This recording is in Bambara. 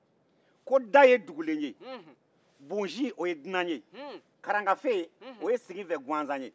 ko da ye dugulen ye bonbonsi ye dunan ye karangafe ye siginfɛ gansan ye